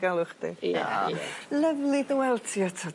...galw chdi. Ia ie. Lyfli dy weld ti eto...